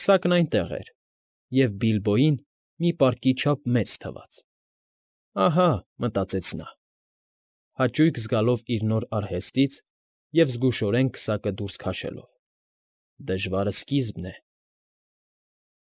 Քսակն այնտեղ էր և Բիլբոյին մի պարկի չափ մեծ թվաց. «Ահա,֊ մտածեց նա՝ հաճույք զգալով իր նոր արհեստից և զգուշորեն քսակը դուրս քաշելով։ ֊ Դժվարը սկիզբն է»։